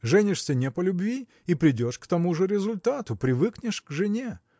женишься не по любви – и придешь к тому же результату привыкнешь к жене.